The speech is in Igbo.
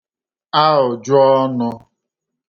aụ̀jụ̀ọnụ